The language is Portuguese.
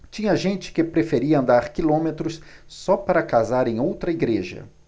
tinha gente que preferia andar quilômetros só para casar em outra igreja